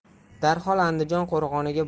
darhol andijon qo'rg'oniga